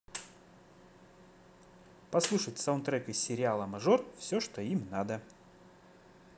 послушать саундтрек из сериала мажор все что им надо